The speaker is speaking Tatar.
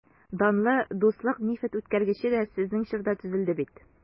Данлы «Дуслык» нефтьүткәргече дә сезнең чорда төзелде бит...